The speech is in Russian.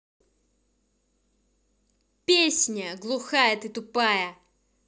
песня глухая ты тупая